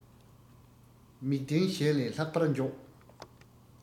མིག ལྡན གཞན ལས ལྷག པར མགྱོགས